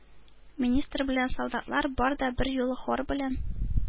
Министр белән солдатлар бар да берьюлы хор белән: